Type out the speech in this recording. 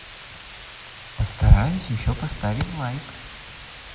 постараюсь еще поставить лайк